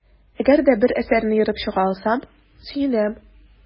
Әгәр дә бер әсәрне ерып чыга алсам, сөенәм.